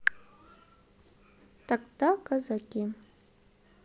тогда казаки